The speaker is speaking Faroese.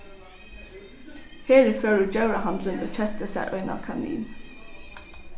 heri fór í djórahandilin og keypti sær eina kanin